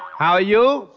hou a diu